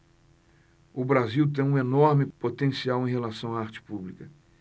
o brasil tem um enorme potencial em relação à arte pública